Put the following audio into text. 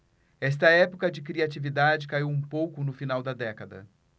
esta época de criatividade caiu um pouco no final da década